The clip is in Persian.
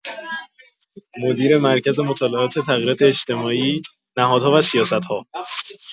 مدیر مرکز مطالعات تغییرات اجتماعی، نهادها و سیاست‌ها